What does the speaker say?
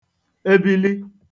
ebili